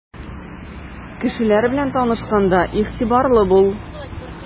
Кешеләр белән танышканда игътибарлы бул.